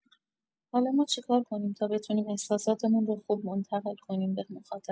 حالا ما چیکار کنیم تا بتونیم احساساتمون رو خوب منتقل کنیم به مخاطب؟